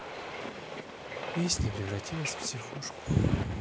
песня превратилась в психушку